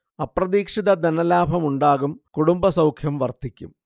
അപ്രതീക്ഷിത ധനലാഭം ഉണ്ടാകും കുടുംബസൗഖ്യം വർധിക്കും